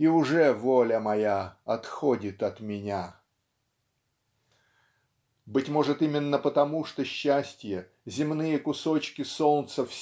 И уже воля моя отходит от меня. Быть может именно потому что счастье земные кусочки солнца